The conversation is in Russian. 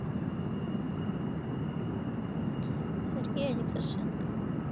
сергей алексашенко